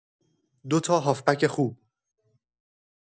دو تا هافبک خوب